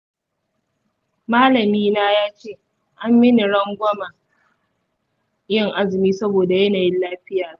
malamina yace an mini rangwamen yin azumi saboda yanayin lafiyata.